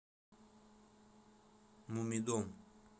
муми дом